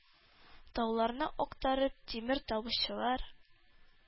Тауларны актарып тимер табучылар,